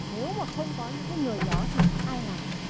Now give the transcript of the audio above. nếu mà không có những người đó thì ai làm